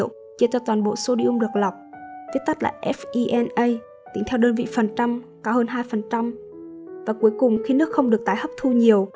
chia cho toàn bộ sodium được lọc viết tắt là fena tính theo đơn vị phần trăm cao hơn phần trăm và cuối cùng khi nước không được tái hấp thu nhiều